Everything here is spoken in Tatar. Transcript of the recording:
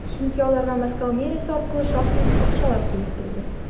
Чөнки аларга Мәскәү мэриясе аркылы шактый акчалар килеп торды.